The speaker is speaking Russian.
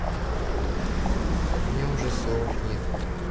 у меня уже слов нету